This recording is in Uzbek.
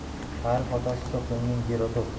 tarix otasi hisoblangan gerodot